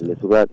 no suukaɓe